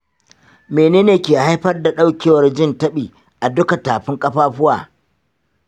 mene ne ke haifar da ɗaukewar jin taɓi a duka tafin ƙafafuwa?